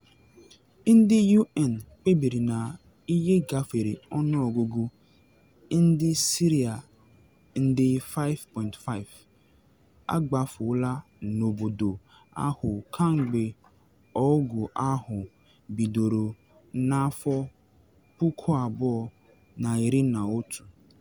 Ndị UN kpebiri na ihe gafere ọnụọgụgụ ndị Syria nde 5.5 agbafuola n’obodo ahụ kemgbe ọgụ ahụ bidoro na 2011.